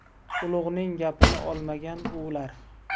ulug'ning gapini olmagan uvlar